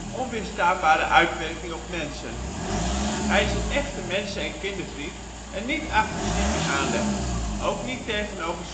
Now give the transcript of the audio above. onweerstaanbare uitwerking op mensen. Hij is een echte mensen - en kindervriend en niet agressief in aanleg, ook niet tegenover soortgenoten